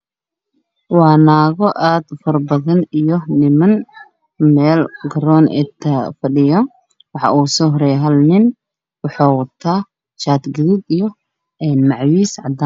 Waa naago aad u faro badan io Niman meel Garoon ayaa fadhiyo wxaa ugu soo horeyo hal nin wxuu wdaa shaati gaduud io macwiis cadaan